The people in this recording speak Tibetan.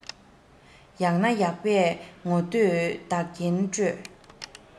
ཡག ན ཡག པས ངོ བསྟོད བདག རྐྱེན སྤྲོད